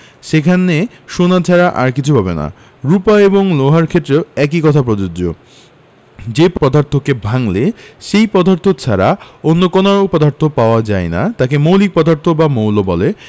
সেখানে সোনা ছাড়া আর কিছু পাবে না রুপা এবং লোহার ক্ষেত্রেও একই কথা প্রযোজ্য যে পদার্থকে ভাঙলে সেই পদার্থ ছাড়া অন্য কোনো পদার্থ পাওয়া যায় না তাকে মৌলিক পদার্থ বা মৌল বলে